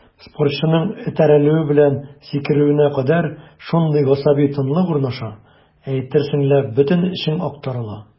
Спортчының этәрелүе белән сикерүенә кадәр шундый гасаби тынлык урнаша, әйтерсең лә бөтен эчең актарыла.